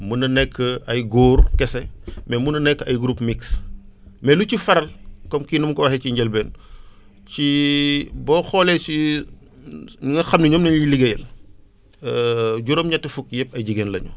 mën na nekk ay góor kese mais mun na nekk ay groupes mixte mais lu ci faral comme kii nu mu ko waxee ci njëlbeen ci boo xoolee ci ñoo xam ne ñoom la ñuy liggéeyal juróom-ñett fukk yëpp ay jigéen la ñu